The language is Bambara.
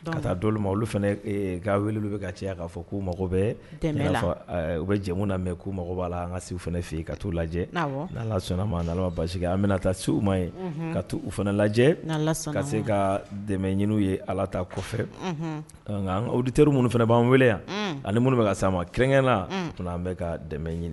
Ka taa di ma olu fana ga wele bɛ ka caya k'a fɔ ko' mago bɛɛ'a u bɛ jɛmu na mɛn kou mago b'a la an ka se u fana fɛ yen ka t uu lajɛ n'a la sɔnna ma' basi an bɛna taa se u ma ye ka u fana lajɛ ka se ka dɛmɛ ɲini ye ala ta kɔfɛ nkadi teriuru minnu fana b'an wele yan ani minnu bɛ ka sa ma kerɛnkɛna tun an bɛ ka dɛmɛ ɲini